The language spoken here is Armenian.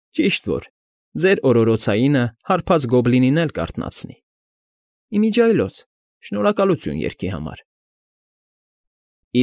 Ճիշտ որ, ձեր օրորոցայինը հարբած գոբլինին էլ կարթնացնի… Ի միջի այլոց շնորհակալություն երգի համար։ ֊